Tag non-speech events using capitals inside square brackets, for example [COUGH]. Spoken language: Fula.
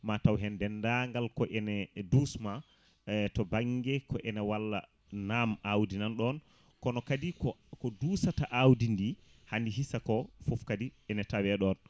ma taw hen dendangal ko ene dusma [HESITATION] to banggue ko ene walla naam awdi nanɗon kono kadi ko ko dusata awdi ndi hadi hissa ko foof kadi ina tawe ɗon